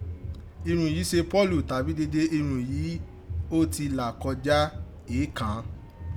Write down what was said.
irun yìí se Poolu tabi dede irun èyí ó ti là koja éè kàn án.